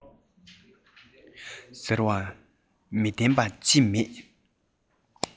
ཟེར བ མི བདེན པ ཅི མེད